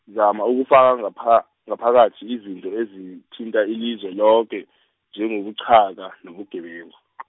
zama ukufaka ngapha ngaphakathi izinto ezithinta ilizwe loke, njengobuqhaka, nobugebengu .